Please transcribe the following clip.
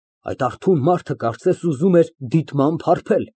Այդ արթուն մարդը, կարծես ուզում էր դիտմամբ հարբել։